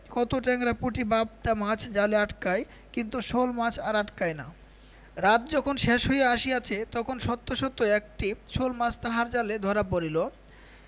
কত টেংরা পুঁটি পাবদা মাছ জালে আটকায় কিন্তু শোলমাছ আর আটকায় না রাত যখন শেষ হইয়া আসিয়াছে তখন সত্য সত্যই একটি শোলমাছ তাহার জালে ধরা পড়িল